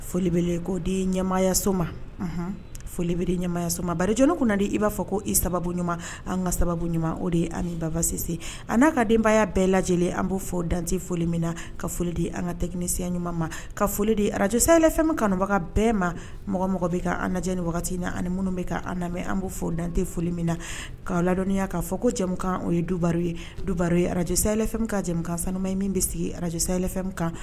Folib ko di ɲɛmayasoma folibe di ɲɛyasoma baj kunna di i b'a fɔ ko i sababu ɲuman an ka sababu ɲuman o de ye an babasese a n'a ka denbaya bɛɛ lajɛ lajɛlen an bɛ fɔ dante foli min na ka foli di an katkinisiya ɲuman ma ka foli di arajlɛfɛn min kanubaga bɛɛ ma mɔgɔ mɔgɔ bɛ ka anj wagati na ani minnu bɛ'a lamɛn an bɛ fɔ dante foli min na kaa ladɔnya'a fɔ ko cɛ kan o ye duba ye du ye arajfɛ ka kan sanu ye min bɛ sigi arajfɛn kan